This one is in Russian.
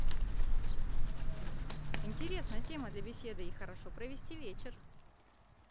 интересная тема для беседы и хорошо провести вечер